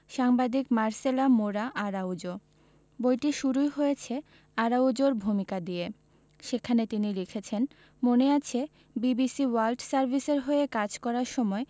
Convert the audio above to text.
সাংবাদিক Marcela Mora Araujo বইটি শুরুই হয়েছে আরাউজোর ভূমিকা দিয়ে সেখানে তিনি লিখেছেন মনে আছে বিবিসি ওয়ার্ল্ড সার্ভিসের হয়ে কাজ করার সময়